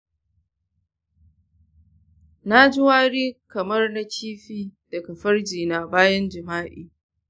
na ji wari kamar na kifi daga farjina bayan jima’i.